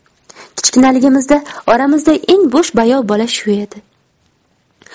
kichkinaligimizda oramizda eng bo'sh bayov bola shu edi